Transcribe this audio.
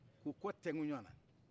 k'u kɔ tɛnku ɲɔgɔnna